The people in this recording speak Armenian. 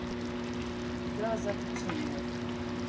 Դա ազատությունն է։